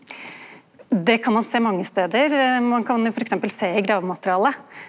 det kan ein sjå mange stader, ein kan jo f.eks. sjå i gravmaterialet.